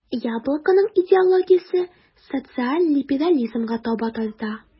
"яблоко"ның идеологиясе социаль либерализмга таба тарта.